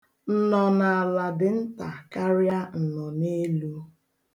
Nnọnaala dị nta karịa nnọneelu.